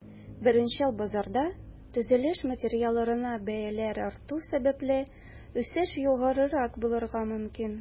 Беренчел базарда, төзелеш материалларына бәяләр арту сәбәпле, үсеш югарырак булырга мөмкин.